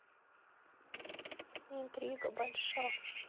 интрига больша